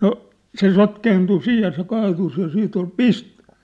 no se sotkeentui siinä ja se kaatui ja sitten oli